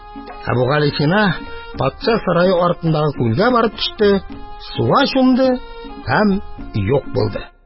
Әбүгалисина патша сарае артындагы күлгә барып төште, суга чумды һәм юк булды.